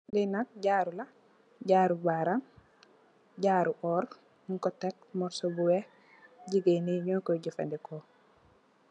Li nak jaru la jaru baram, jaru oór jigeen yi ñu koy jafandiko.